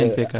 MPK